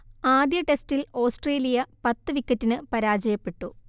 ആദ്യ ടെസ്റ്റിൽ ഓസ്ട്രേലിയ പത്ത് വിക്കറ്റിന് പരാജയപ്പെട്ടു